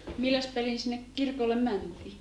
milläs pelin sinne kirkolle mentiin